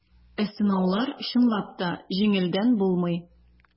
Ә сынаулар, чынлап та, җиңелдән булмый.